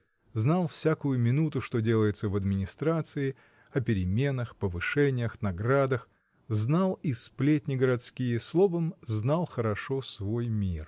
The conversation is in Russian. знал всякую минуту, что делается в администрации, о переменах, повышениях, наградах, — знал и сплетни городские — словом, знал хорошо свой мир.